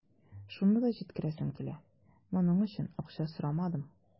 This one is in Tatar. Шуны да җиткерәсем килә: моның өчен акча сорамадым.